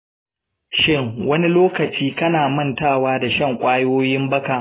shin wani lokaci kana manta shan kwayoyin baka?